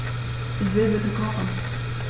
Ich will bitte kochen.